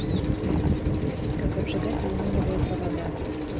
как обжигать алюминиевые провода